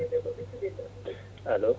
allo